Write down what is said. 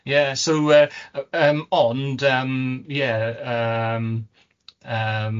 Yeah, so yy yym ond yym yeah yym yym